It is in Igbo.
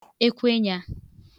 ekwenyā